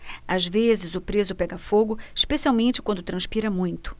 às vezes o preso pega fogo especialmente quando transpira muito